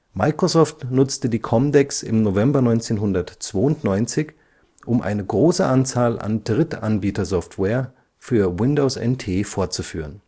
Microsoft nutzte die COMDEX im November 1992, um eine große Anzahl an Drittanbietersoftware für Windows NT vorzuführen